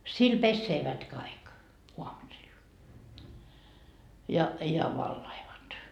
sillä pesevät kaikki aamusilla ja ja valautuvat